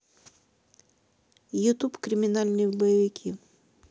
ютуб криминальные боевики